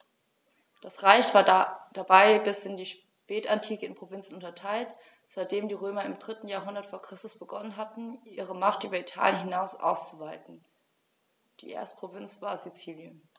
Das Reich war dabei bis in die Spätantike in Provinzen unterteilt, seitdem die Römer im 3. Jahrhundert vor Christus begonnen hatten, ihre Macht über Italien hinaus auszuweiten (die erste Provinz war Sizilien).